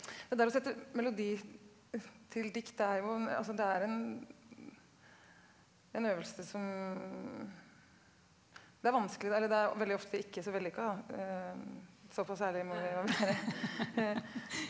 det der å sette melodi til dikt er jo en altså det er en en øvelse som det er vanskelig eller det er veldig ofte ikke så vellykka da såpass ærlige må vi være.